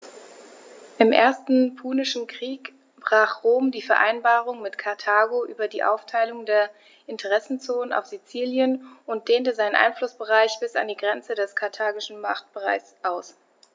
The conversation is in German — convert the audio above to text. Im Ersten Punischen Krieg brach Rom die Vereinbarung mit Karthago über die Aufteilung der Interessenzonen auf Sizilien und dehnte seinen Einflussbereich bis an die Grenze des karthagischen Machtbereichs aus.